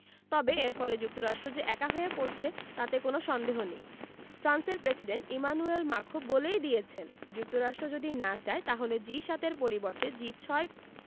তবে এর ফলে যুক্তরাষ্ট্র যে একা হয়ে পড়ছে তাতে কোনো সন্দেহ নেই ফ্রান্সের প্রেসিডেন্ট ইমানুয়েল মাখোঁ বলেই দিয়েছেন যুক্তরাষ্ট্র যদি না চায় তাহলে জি ৭ এর পরিবর্তে জি ৬